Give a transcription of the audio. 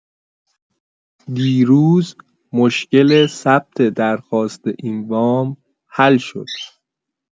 دیروز مشکل ثبت درخواست این وام حل شد.